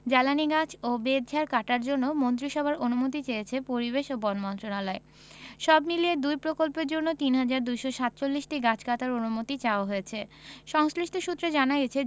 জ্বালানি গাছ ও বেতঝাড় কাটার জন্য মন্ত্রিসভার অনুমতি চেয়েছে পরিবেশ ও বন মন্ত্রণালয় সবমিলিয়ে দুই প্রকল্পের জন্য ৩হাজার ২৪৭টি গাছ কাটার অনুমতি চাওয়া হয়েছে সংশ্লিষ্ট সূত্রে জানা গেছে